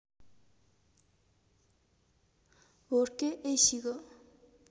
བོད སྐད ཨེ ཤེས གི